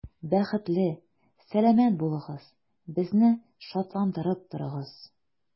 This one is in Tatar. Бәхетле, сәламәт булыгыз, безне шатландырып торыгыз.